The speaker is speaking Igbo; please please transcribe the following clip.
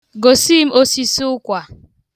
Gosi m osisi ụkwa.